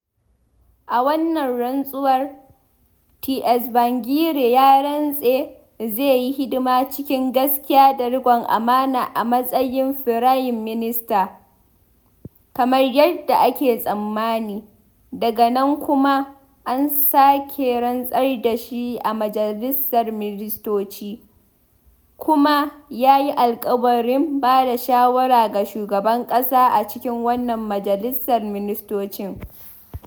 A wannan rantsuwar, Tsvangirai ya rantse zai yi hidima cikin gaskiya da riƙon amana a matsayin Firayim Minista, kamar yadda ake tsammani, daga nan kuma an sake rantsar da shi a majalisar ministoci, kuma ya yi alƙawarin bada shawara ga shugaban ƙasa a cikin wannan majalisar ministocin .